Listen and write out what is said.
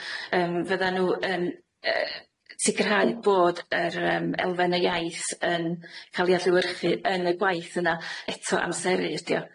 Yym fyddan nw yn yy sicrhau bod yr yym elfen y iaith yn ca'l 'i adlewyrchu yn y gwaith yna. Eto, amseru ydi o.